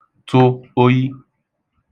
tụ oyi